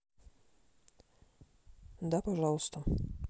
да пожалуйста